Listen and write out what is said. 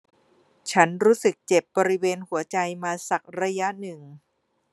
ฉันรู้สึกเจ็บบริเวณหัวใจมาสักระยะหนึ่ง